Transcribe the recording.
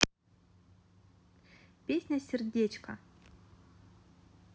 песня сердечко